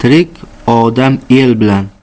tirik odam el bilan